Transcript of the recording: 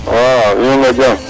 waaw yunga na jam